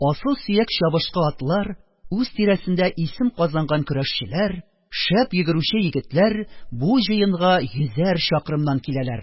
Асыл сөяк чабышкы атлар, үз тирәсендә исем казанган көрәшчеләр, шәп йөгерүче егетләр бу җыенга йөзәр чакрымнан киләләр